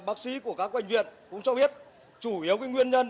bác sĩ của các bệnh viện cũng cho biết chủ yếu cái nguyên nhân